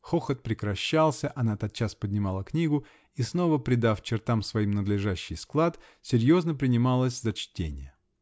Хохот прекращался -- она тотчас поднимала книгу и, снова придав чертам своим надлежащий склад, серьезно принималась за чтение.